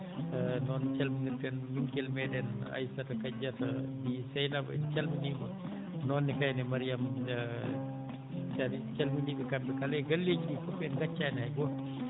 noon calminirten yumgel meeɗen Aaissata kadiata Seynabou en calminii mo noon ne kayne Mariame en calminii ɓe kamɓe kala en galleeji ɗii fof en ngaccaani hay gooto